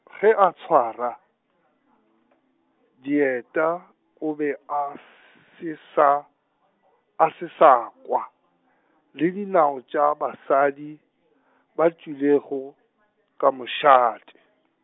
ge a tshwara , dieta o be a s- se sa, a se sa kwa, le di nao tša basadi, ba tšwelego, ka mošate.